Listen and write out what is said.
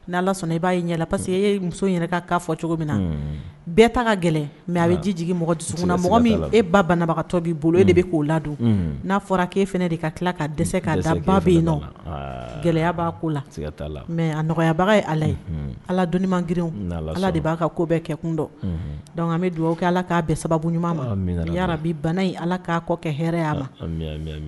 Ni' sɔnna i b'a ye parceseke que e ye muso fɔ cogo min na bɛɛ taa ka gɛlɛn mɛ a bɛ ji jigi mɔgɔ dusu mɔgɔ min e ba banabagatɔ b' bolo e de bɛ k'o ladon n'a fɔra ee fana de ka tila ka dɛsɛse k ka la bɛ yen nɔ gɛlɛya b'a ko la mɛ a nɔgɔyabaga ye ala ye ala dɔnnii man grin ala de b'a ka ko bɛɛ kɛ kundɔn dɔnku bɛ dugawu kɛ ala k'a bɛɛ sababu ɲuman ma bɛ bana ala k'a kɔ kɛ hɛrɛɛya a ma